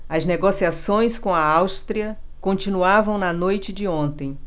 as negociações com a áustria continuavam na noite de ontem